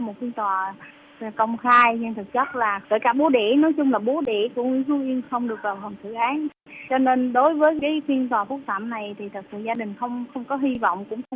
một phiên tòa về công khai nhưng thực chất là kể cả bố đẻ nói chung là bố đẻ của nhưng không được vào phòng xử án cho nên đối với cái phiên tòa phúc thẩm này thì thật sự gia đình không không có hy vọng cũng